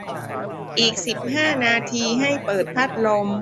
อีกสิบห้านาทีให้เปิดพัดลม